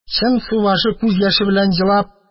Чын субашы, күз яше белән елап